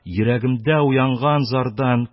Йөрәгемдә уянган зардан